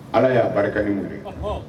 Ala y'a barika ni mun ye ɔhɔɔ